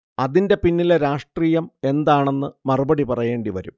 അതിന്റെ പിന്നിലെ രാഷ്ട്രീയം എന്താണെന്ന് മറുപടി പറയേണ്ടി വരും